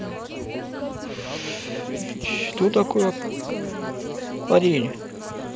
что такое акварель